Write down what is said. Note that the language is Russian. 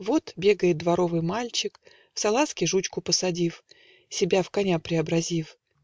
Вот бегает дворовый мальчик, В салазки жучку посадив, Себя в коня преобразив